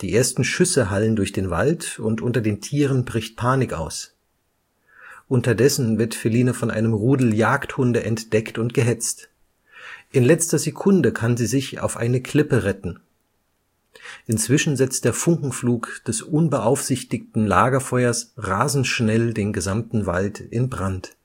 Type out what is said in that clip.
ersten Schüsse hallen durch den Wald und unter den Tieren bricht Panik aus. Unterdessen wird Feline von einem Rudel Jagdhunde entdeckt und gehetzt. In letzter Sekunde kann sie sich auf eine Klippe retten. Inzwischen setzt der Funkenflug des unbeaufsichtigten Lagerfeuers rasend schnell den gesamten Wald in Brand